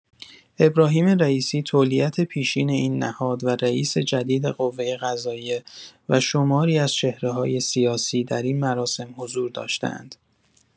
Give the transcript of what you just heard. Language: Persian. ابراهیم رئیسی تولیت پیشین این نهاد و رئیس جدید قوه‌قضائیه و شماری از چهره‌های سیاسی در این مراسم حضور داشته‌اند.